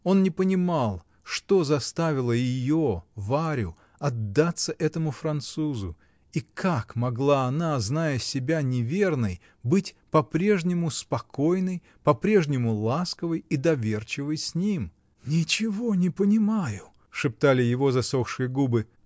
он не понимал, что заставило ее, Варю, отдаться этому французу, и как могла она, зная себя неверной, быть по-прежнему спокойной, по-прежнему ласковой и доверчивой с ним! "Ничего не понимаю! -- шептали его засохшие губы.